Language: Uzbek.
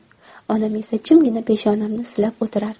onam esa jimgina peshonamni silab o'tirar